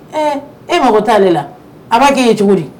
Ee e mago t' ale la a b'a k'i ye cogo di